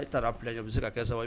A ye taara a bila ɲɛ bɛ se ka kɛ saba